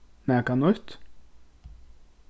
nakað nýtt